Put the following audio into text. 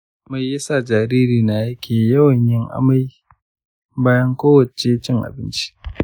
me ya sa jaririna yake yawan amai bayan kowane cin abinci?